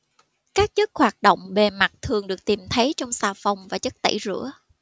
các chất hoạt động bề mặt thường được tìm thấy trong xà phồng và chất tẩy rửa